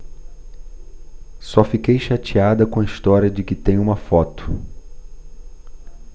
só fiquei chateada com a história de que tem uma foto